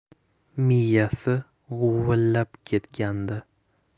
miyasi g'uvillab ketgandi